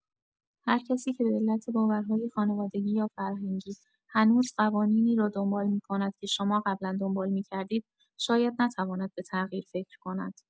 هرکسی که به‌علت باورهای خانوادگی یا فرهنگی هنوز قوانینی را دنبال می‌کند که شما قبلا دنبال می‌کردید، شاید نتواند به تغییر فکر کند.